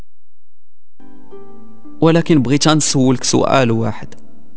ولكن بغيت اسالك سؤال واحد